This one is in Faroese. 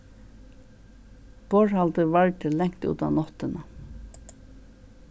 borðhaldið vardi langt út á náttina